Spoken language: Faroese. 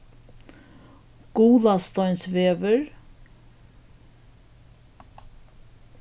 gulasteinsvegur